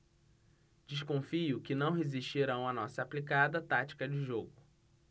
desconfio que não resistirão à nossa aplicada tática de jogo